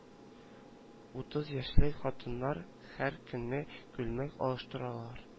Утыз яшьлек хатыннар һәр көнне күлмәк алыштыралар